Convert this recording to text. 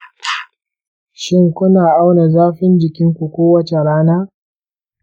shin kuna auna zafin jikinku kowace rana?